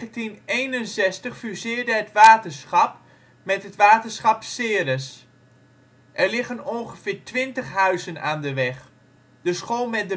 In 1961 fuseerde het waterschap met het waterschap Ceres Er liggen ongeveer twintig huizen aan de weg. De School met